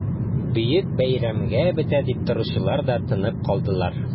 Бөек бәйрәмгә бетә дип торучылар да тынып калдылар...